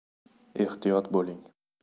ehtiyot bo'ling